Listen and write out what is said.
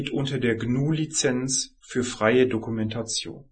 unter der GNU Lizenz für freie Dokumentation